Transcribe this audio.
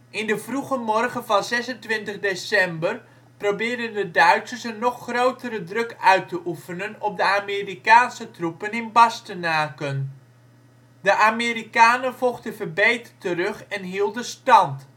In de vroege morgen van 26 december probeerden de Duitsers een nog grotere druk uit te oefenen op de Amerikaanse troepen in Bastenaken. De Amerikanen vochten verbeten terug en hielden stand